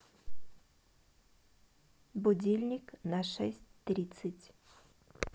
будильник на шесть тридцать